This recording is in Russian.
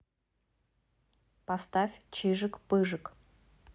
поставь чижик пыжик